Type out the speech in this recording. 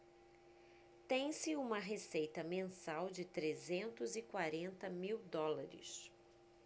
tem-se uma receita mensal de trezentos e quarenta mil dólares